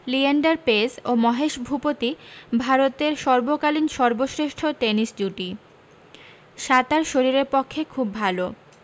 লিয়েন্ডার পেজ ও মহেশ ভূপতি ভারতের সর্বকালীন সর্ব শ্রেষ্ঠ টেনিস জুটি সাঁতার শরীরের পক্ষে খুব ভালো